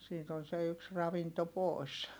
siitä on se yksi ravinto pois